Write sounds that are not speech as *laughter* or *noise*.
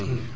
*hesitation* *hesitation* *hesitation* *hesitation*